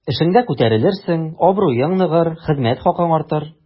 Эшеңдә күтәрелерсең, абруең ныгыр, хезмәт хакың артыр.